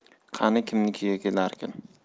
qani kimnikiga kelarkin